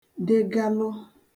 degalụ